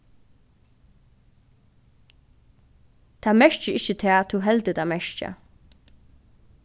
tað merkir ikki tað tú heldur tað merkja